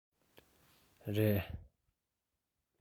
རེད